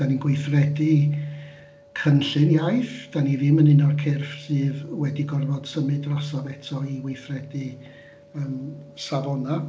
Dan ni'n gweithredu cynllun iaith. Dan ni ddim yn un o'r cyrff sydd wedi gorfod symud drosodd eto i weithredu yym safonau.